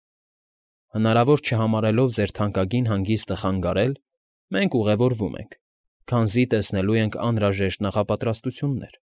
Հնարավոր չհամարելով ձեր թանկագին հանգիստը խանգարել, մենք ուղևորվում ենք, քանզի տեսնելու ենք անհրաժեշտ նախապատրաստություններ։